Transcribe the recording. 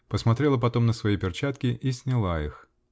Посмотрела потом на свои перчатки -- и сняла их.